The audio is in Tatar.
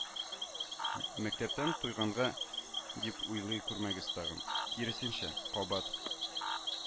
Мәктәптән туйганга дип уйлый күрмәгез тагын, киресенчә, кабат